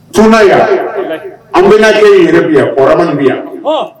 Tuma yan an bɛjɛ yɛrɛ bi kɔrɔmani bi yan